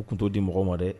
U tun t'o di mɔgɔ ma dɛ